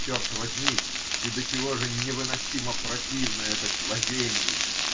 Черт возьми, и до чего же невыносимо противно это глазение!.